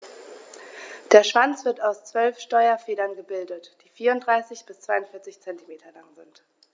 Der Schwanz wird aus 12 Steuerfedern gebildet, die 34 bis 42 cm lang sind.